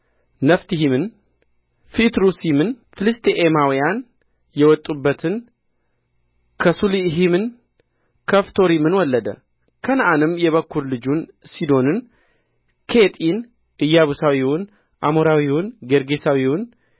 ነፍተሂምን ፈትሩሲምን ፍልስጥኤማውያን የወጡበትን ከስሉሂምን ከፍቶሪምን ወለደ ከነዓንም የበኵር ልጁን ሲዶንን ኬጢን ኢያቡሳዊውን አሞራዊውን ጌርጌሳዊውን